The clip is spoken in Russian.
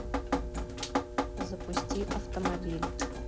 запусти автомобили